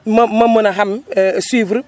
ma ma mën a xam suivre